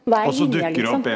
hva er linja liksom?